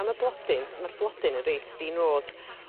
am y blodyn t- ma'r blodyn y reit ddinod.